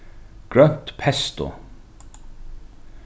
grønt pesto